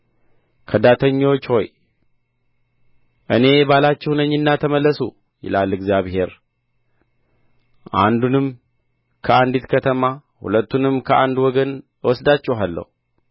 ከዳተኞች ልጆች ሆይ እኔ ባላችሁ ነኝና ተመለሱ ይላል እግዚአብሔር አንዱንም ከአንዲት ከተማ ሁለቱንም ከአንድ ወገን እወስዳችኋለሁ